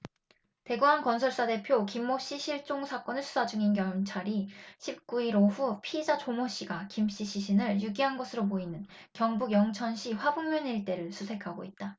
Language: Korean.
대구 한 건설사 대표 김모씨 실종 사건을 수사 중인 경찰이 십 구 일 오후 피의자 조모씨가 김씨 시신을 유기한 것으로 보이는 경북 영천시 화북면 일대를 수색하고 있다